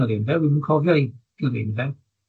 ###o'dd enw fe, dwi'm yn cofio 'i gyfenw fe.